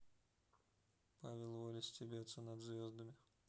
павел воля стебется над звездами